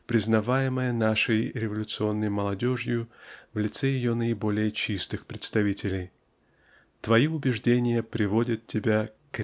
признаваемое нашей революционной молодежью в лице ее наиболее чистых представителей. Твои убеждения приводят тебя к .